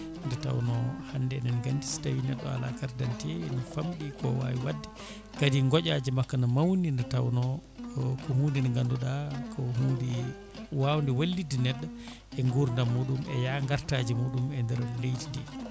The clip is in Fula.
nde tawno hande eɗen gandi so tawi neɗɗo o ala carte d' identité ene famɗi ko wawi wadde kadi gooƴaji makko ne mawni nde tawno ko hunde nde ganduɗa ko hunde wawde wallidde neɗɗo e guradm muɗum e yaa gartaji muɗum e nder leydi